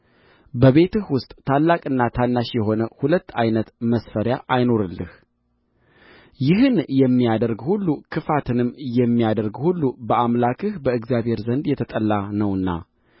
በቤትህ ውስጥ ታላቅና ታናሽ የሆነ ሁለት ዓይነት መስፈሪያ አይኑርልህ ይህን የሚያደርግ ሁሉ ክፋትንም የሚያደርግ ሁሉ በአምላክህ በእግዚአብሔር ዘንድ የተጠላ ነውና